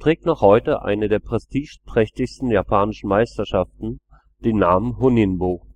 trägt noch heute eine der prestigeträchtigsten japanischen Meisterschaften den Namen Honinbo